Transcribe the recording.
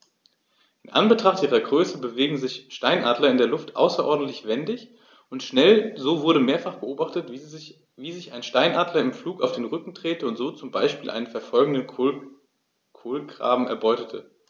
In Anbetracht ihrer Größe bewegen sich Steinadler in der Luft außerordentlich wendig und schnell, so wurde mehrfach beobachtet, wie sich ein Steinadler im Flug auf den Rücken drehte und so zum Beispiel einen verfolgenden Kolkraben erbeutete.